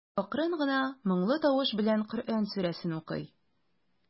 Үзе акрын гына, моңлы тавыш белән Коръән сүрәсен укый.